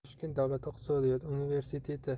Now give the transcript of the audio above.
toshkent davlat iqtisodiyot universiteti